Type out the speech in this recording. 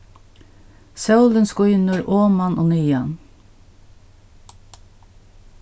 sólin skínur oman og niðan